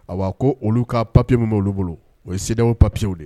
A ko olu ka papiye min b' olu bolo o ye se o papiyew de